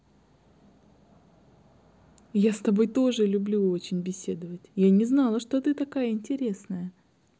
я с тобой тоже люблю теперь беседовать я не знала что ты такая интересная